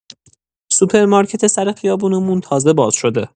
سوپرمارکت سر خیابونمون تازه باز شده.